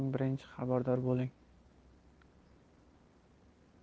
eng birinchi xabardor bo'ling